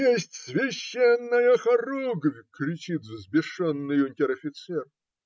- Есть священная хоругвь, - кричит взбешенный унтер-офицер.